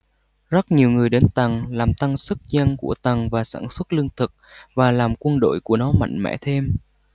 rất nhiều người đến tần làm tăng sức dân của tần và sản xuất lương thực và làm quân đội của nó mạnh mẽ thêm